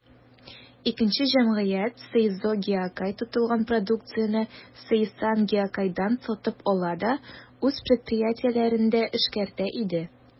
Икенче җәмгыять, «Сейзо Гиокай», тотылган продукцияне «Сейсан Гиокайдан» сатып ала да үз предприятиеләрендә эшкәртә иде.